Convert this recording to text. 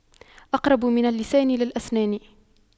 أقرب من اللسان للأسنان